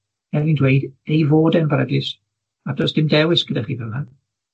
heddlu'n dweud ei fod e'n beryglus, a does dim dewis gyda chi fyl 'na.